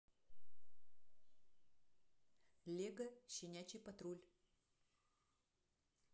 лего щенячий патруль